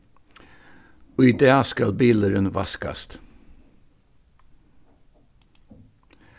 í dag skal bilurin vaskast